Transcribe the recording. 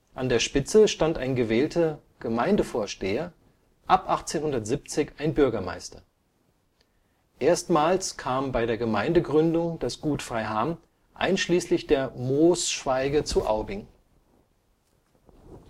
An der Spitze stand ein gewählter Gemeindevorsteher, ab 1870 ein Bürgermeister. Erstmals kam bei der Gemeindegründung das Gut Freiham einschließlich der Moosschwaige zu Aubing. Über